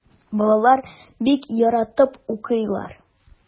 Балалар бик яратып укыйлар.